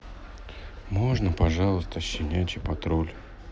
можно пожалуйста щенячий патруль